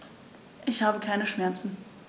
Ich habe keine Schmerzen.